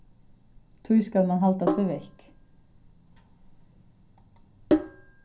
tí skal mann halda seg vekk